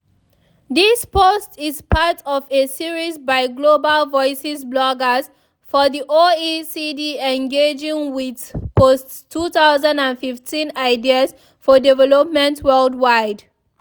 This post is part of a series by Global Voices bloggers for the OECD engaging with post-2015 ideas for development worldwide.